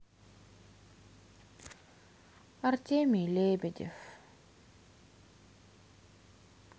артемий лебедев